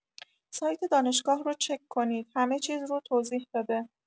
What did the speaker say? سایت دانشگاه رو چک کنید همه چیز رو توضیح داده